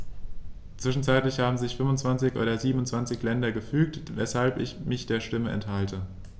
Zwischenzeitlich haben sich 25 der 27 Länder gefügt, weshalb ich mich der Stimme enthalte.